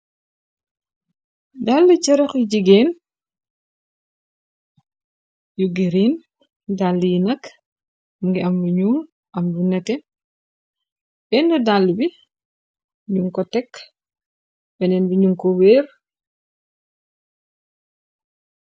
Daal charah hu jigéen yu green, daal yi nak mungi am lu ñuul, am lu nètè. Benn daal lu bi nung ko tekk, benen bi nung ko wër.